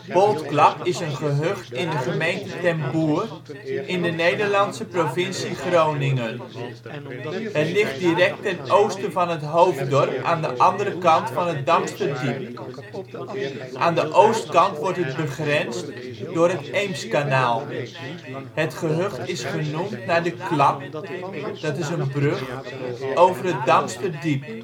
Boltklap is een gehucht in de gemeente Ten Boer in de Nederlandse provincie Groningen. Het ligt direct ten oosten van het hoofddorp aan de andere kant van het Damsterdiep. Aan de oostkant wordt het begrensd door het Eemskanaal. Het gehucht is genoemd naar de klap (is brug) over het Damsterdiep